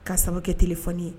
Ka sababukɛ t fɔoni ye